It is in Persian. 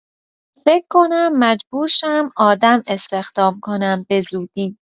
فک کنم مجبور شم آدم استخدام کنم به‌زودی